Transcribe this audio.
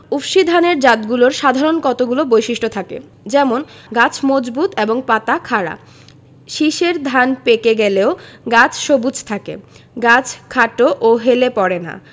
উফশী ধানের জাতগুলোর সাধারণ কতগুলো বৈশিষ্ট্য থাকে যেমনঃ ⦁ গাছ মজবুত এবং পাতা খাড়া ⦁ শীষের ধান পেকে গেলেও গাছ সবুজ থাকে ⦁ গাছ খাটো ও হেলে পড়ে না